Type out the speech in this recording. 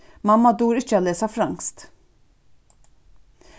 mamma dugir ikki at lesa franskt